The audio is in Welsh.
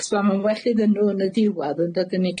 Achos ma' ma'n well iddyn n'w yn y diwadd yndydyn i